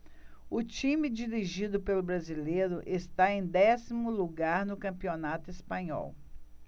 o time dirigido pelo brasileiro está em décimo lugar no campeonato espanhol